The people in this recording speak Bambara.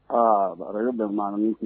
Aa radio -- Benkuma an b'i f